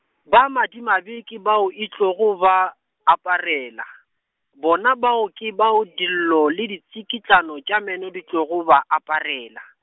ba madimabe ke bao e tlogo ba, aparela, bona bao ke bao dillo le ditsikitlano tša meno di tlogo ba aparela.